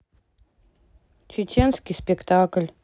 чеченский спектакль